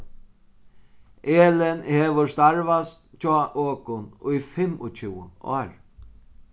elin hevur starvast hjá okum í fimmogtjúgu ár